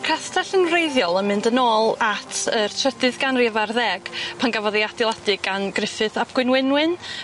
Castell yn wreiddiol yn mynd yn ôl at y trydydd ganrif ar ddeg pan gafodd ei adeiladu gan Gruffydd ap Gwynwynwyn.